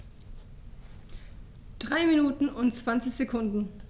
3 Minuten und 20 Sekunden